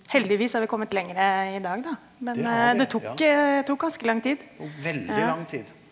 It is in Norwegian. heldigvis har vi kommet lengre i dag da, men det tok tok ganske lang tid ja.